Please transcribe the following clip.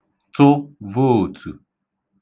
tụ voòtù